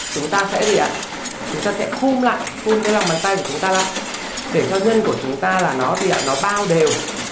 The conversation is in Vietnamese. chúng ta sẽ gì ạ chúng ta sẽ khum lại khum cái lòng bàn tay của chúng ta lại để cho nhân của chúng ta là nó gì ạ nó bao đều